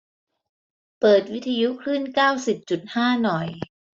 เปิดวิทยุคลื่นเก้าสิบจุดห้าหน่อย